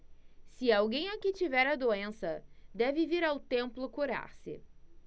se alguém aqui tiver a doença deve vir ao templo curar-se